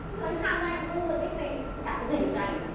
giờ anh than với em có được ích gì cũng chả giúp gì cho anh cả